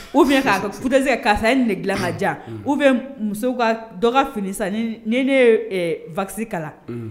U bɛ' futatese karisa ni dilankaja u bɛ musow ka dɔgɔ fini san ni ne wasi kalan